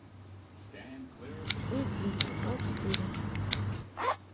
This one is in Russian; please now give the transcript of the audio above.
уйди а четыре